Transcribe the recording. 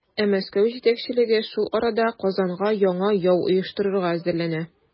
Ә Мәскәү җитәкчелеге шул арада Казанга яңа яу оештырырга әзерләнә.